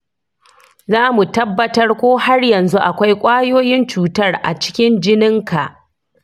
zamu tabbatar ko har yanzu akwai ƙwayoyin cutar a cikin jininka.